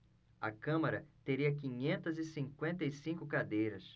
a câmara teria quinhentas e cinquenta e cinco cadeiras